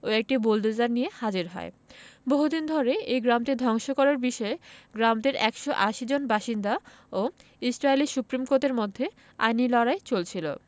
ও একটি বুলোডোজার নিয়ে হাজির হয় বহুদিন ধরে এই গ্রামটি ধ্বংস করার বিষয়ে গ্রামটির ১৮০ জন বাসিন্দা ও ইসরাইলি সুপ্রিম কোর্টের মধ্যে আইনি লড়াই চলছিল